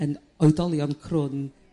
yn oedolion crwn